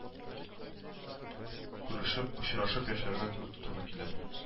Күрешеп, очрашып яшәргә туры килә